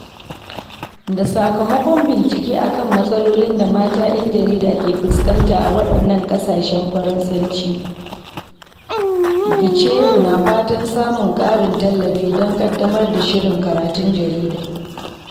Da sakamakon bincike akan matsalolin da mata ‘yan jarida ke fuskanta a waɗannan ƙasashen Faransanci, Gicheru na fatan samun ƙarin tallafi don ƙaddamar da shirin karatun jarida.